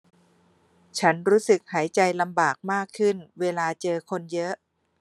ฉันรู้สึกหายใจลำบากมากขึ้นเวลาเจอคนเยอะ